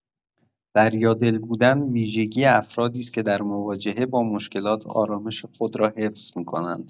دریادل بودن ویژگی افرادی است که در مواجهه با مشکلات، آرامش خود را حفظ می‌کنند.